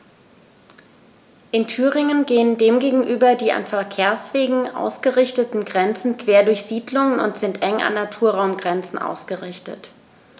In Thüringen gehen dem gegenüber die an Verkehrswegen ausgerichteten Grenzen quer durch Siedlungen und sind eng an Naturraumgrenzen ausgerichtet.